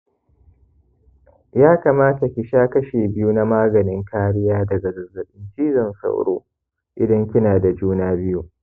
ya kamata ki sha kashi biyu na maganin kariya daga zazzaɓin cizon sauro idan kina da juna biyu